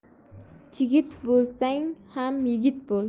chigit bo'lsang ham yigit bo'l